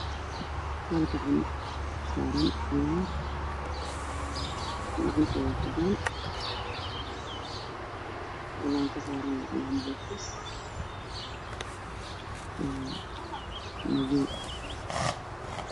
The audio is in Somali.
Halkan waxaa fadhido gabar gacanteeda way caddahay waxaa saaran gacanteeda cilmiz laan bovis weyna qur-aanta